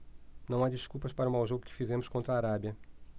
não há desculpas para o mau jogo que fizemos contra a arábia